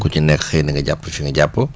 ku ci nekk xëy na nga jàpp fi nga jàpp